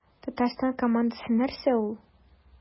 Татарстан командасы нәрсә ул?